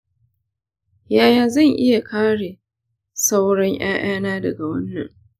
yaya zan iya kare sauran ƴaƴana daga wannan?